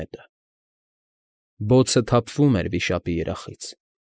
Նետը։ Բոցը թափվում էր վիշապի երախից։